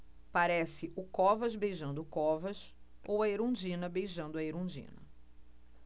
parece o covas beijando o covas ou a erundina beijando a erundina